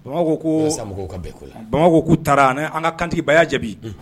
Bamakɔ ko ka bamakɔ'u taara an ka kantigibaga jaabi